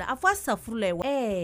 A fa sa furu la